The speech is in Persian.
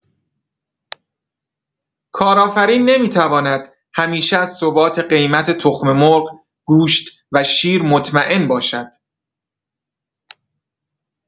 کارآفرین نمی‌تواند همیشه از ثبات قیمت تخم‌مرغ، گوشت و شیر مطمئن باشد.